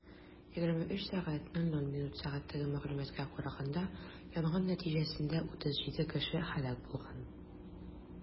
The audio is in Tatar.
23:00 сәгатьтәге мәгълүматка караганда, янгын нәтиҗәсендә 37 кеше һәлак булган.